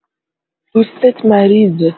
دوستت مریضه